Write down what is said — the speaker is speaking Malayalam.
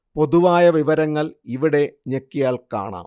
പൊതുവായ വിവരങ്ങൾ ഇവിടെ ഞെക്കിയാൽ കാണാം